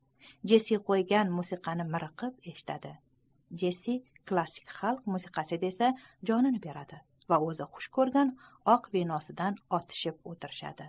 jessi qo'ygan musiqani miriqib eshitadi jessi klassik xalq musiqasi desa jonini beradi va o'zi xush ko'rgan oq vinosidan xo'plab o'tiradi